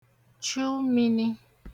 chu mini